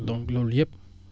donc loolu yëpp